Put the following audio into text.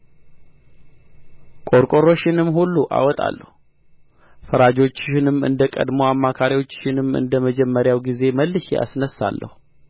ቆርቆሮሽንም ሁሉ አወጣለሁ ፈራጆችሽንም እንደ ቀድሞ አማካሪዎችሽንም እንደ መጀመሪያው ጊዜ መልሼ አስነሣለሁ